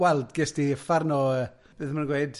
Wel, ges di uffarn o, yy, beth ma' nhw'n gweud?